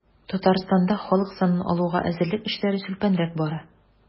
Татарстанда халык санын алуга әзерлек эшләре сүлпәнрәк бара.